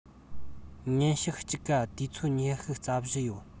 ཉིན ཞག གཅིག ག དུས ཚོད ཉི ཤུ རྩ བཞི ཡོད